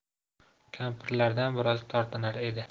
kampirlardan biroz tortinar edi